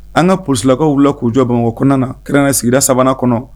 An ka psilawwula k'u jɔ bamakɔ kɔnɔna na kɛrɛn sigira sabanan kɔnɔ